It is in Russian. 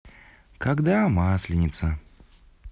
когда масленица